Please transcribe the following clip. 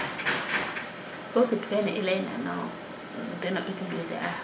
so sit fene i ley na teno utiliser a